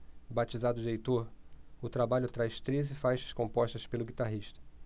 batizado de heitor o trabalho traz treze faixas compostas pelo guitarrista